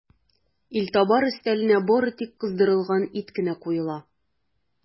Илтабар өстәленә бары тик кыздырылган ит кенә куела.